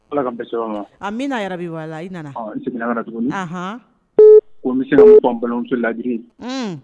Ala an bɛna yɛrɛbi wa i nana seginna tuguni o bɛ se ka balimamuso laaj